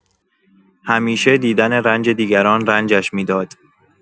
همیشه دیدن رنج دیگران رنجش می‌داد.